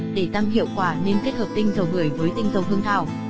để tăng hiệu quả nên kết hợp tinh dầu bưởi với tinh dầu hương thảo